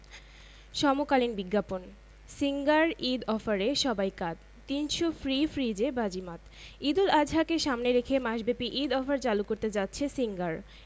L B M B H I Kolkata ৭৩৭ দক্ষিন শাহজাহানপুর আমতলা ধাকা ফোনঃ ৪০০০৮৭১